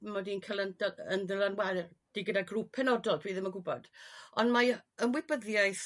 mod i'n ca'l 'yn -d 'yn ddylanwadu gyda grŵp penodol dwi ddim yn gwybod ond mae ymwybyddiaeth